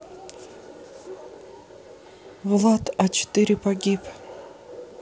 влад а четыре погиб